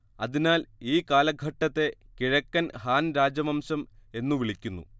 അതിനാൽ ഈ കാലഘട്ടത്തെ കിഴക്കൻ ഹാൻ രാജവംശം എന്നു വിളിക്കുന്നു